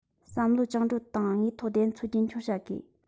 བསམ བློ བཅིངས འགྲོལ དང དངོས ཐོག བདེན འཚོལ རྒྱུན འཁྱོངས བྱ དགོས